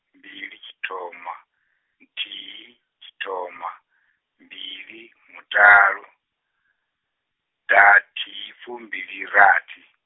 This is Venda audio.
mbili tshithoma, nthihi tshithoma, mbili mutalo, ḓathihifumbilirathi.